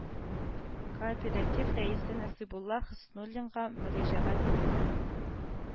Кооператив рәисе насыйбулла хөснуллинга мөрәҗәгать иттем